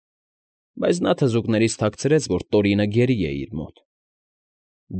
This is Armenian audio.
Բայց նա թզուկներից թաքցրեց, որ Տորինը գերի է իր մոտ։